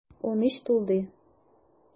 Унөч тулды.